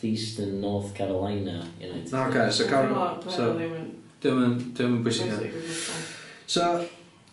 eastern north Carolina United States, A ocê so Caro- so... ...ma hwnna ddim yn... 'Dio'm yn 'dio'm yn bwysig nawr. Bwysig o gwbwl. So